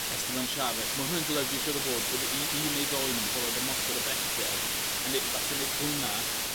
Esteban Chaves. Ma' hwnna'n golygu siwr o fod bydd u- un neu ddou o nw'n bolon ymosod o bellder a nei- fall neith hwnna